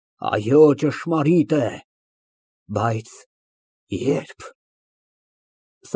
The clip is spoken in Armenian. Այո, ճշմարիտ է, բայց ե՞րբ։